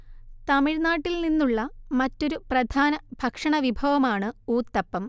തമിഴ്നാട്ടിൽ നിന്നുള്ള മറ്റൊരു പ്രധാന ഭക്ഷണവിഭവമാണ് ഊത്തപ്പം